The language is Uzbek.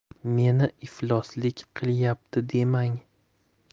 meni ifloslik qilyapti demang